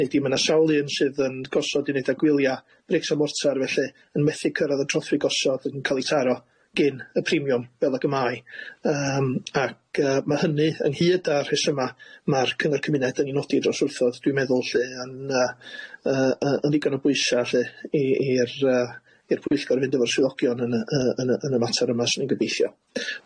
Neu di ma' na sawl un sydd yn gosod uneuda gwylia, brics a mortar felly yn methu cyrradd y trothwy gosod yn ca'l ei taro gin y premium fel ag y mae yym ac yy ma' hynny ynghyd â'r rhesyma' ma'r cyngor cymuned yn ei nodi dros wrthodd dwi'n meddwl lly yn yy yy yn ddigon o bwysa' lly i i'r yy i'r pwyllgor fynd efo'r swyddogion yn y yy yn y yn y mater yma swn i'n gobeithio.